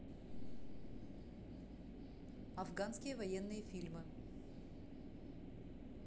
афганские военные фильмы